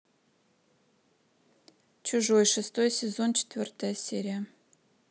чужой шестой сезон четвертая серия